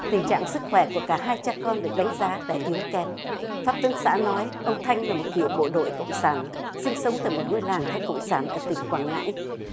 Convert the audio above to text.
tình trạng sức khỏe của cả hai cha con được đánh giá tại yếu kém pháp tấn xã nói ông thanh là một cựu bộ đội cộng sản sinh sống tại một ngôi làng theo cộng sản ở tỉnh quảng ngãi